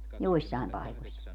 joissain paikoissa